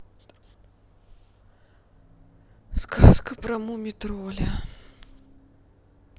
сказка про муми тролля